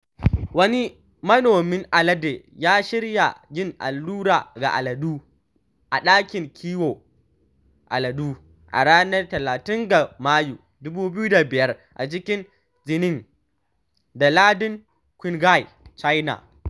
Wani manomin alade ya shirya yin allura ga aladu a ɗakin kiwon aladu a ranar 30 ga Mayu, 2005 a cikin Xining da Lardin Qinghai, China.